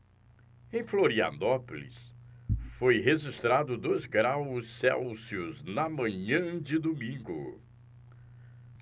em florianópolis foi registrado dois graus celsius na manhã de domingo